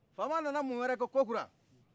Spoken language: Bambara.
fama nana mun wɛrɛ kɛ kokura